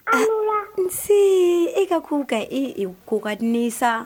A' ni wula unsee e ka kow kaɲi e e b ko kadi ne ye sa